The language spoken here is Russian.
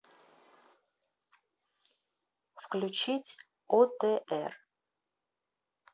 включить отр